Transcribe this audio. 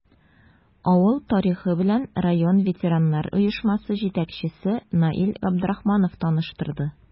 Авыл тарихы белән район ветераннар оешмасы җитәкчесе Наил Габдрахманов таныштырды.